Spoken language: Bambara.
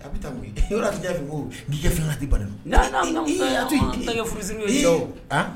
A bɛ taa bɛ'a fɛ ko k'ikɛ fila tɛ bai furusi